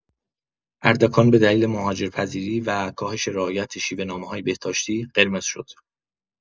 اردکان به دلیل مهاجرپذیری و کاهش رعایت شیوه‌نامه‌های بهداشتی، قرمز شد.